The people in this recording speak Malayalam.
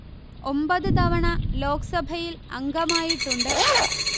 ഒമ്പത് തവണ ലോക് സഭയിൽ അംഗമായിട്ടുണ്ട്